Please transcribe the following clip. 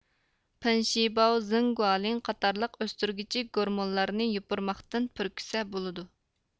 پېنشىباۋ زېڭگۇالىڭ قاتارلىق ئۆستۈرگۈچى گورمونلارنى يوپۇرماقتىن پۈركۈسە بولىدۇ